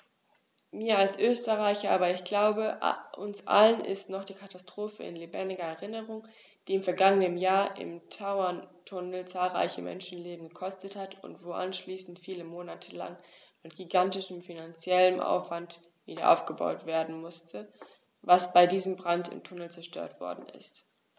Mir als Österreicher, aber ich glaube, uns allen ist noch die Katastrophe in lebendiger Erinnerung, die im vergangenen Jahr im Tauerntunnel zahlreiche Menschenleben gekostet hat und wo anschließend viele Monate lang mit gigantischem finanziellem Aufwand wiederaufgebaut werden musste, was bei diesem Brand im Tunnel zerstört worden ist.